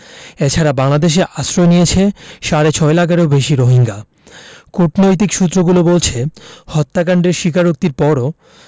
এ ছাড়া বাংলাদেশে আশ্রয় নিয়েছে সাড়ে ছয় লাখেরও বেশি রোহিঙ্গা কূটনৈতিক সূত্রগুলো বলছে হত্যাকাণ্ডের স্বীকারোক্তির পরও